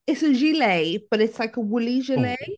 It's a gilet but it's like a woolly gilet.